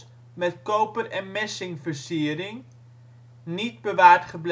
koper - en messingversiering Niet bewaard